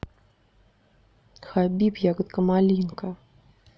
хабиб ягодка малинка